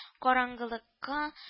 Караңгылыкка